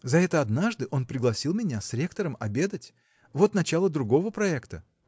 за это однажды он пригласил меня с ректором обедать. Вот начало другого проекта.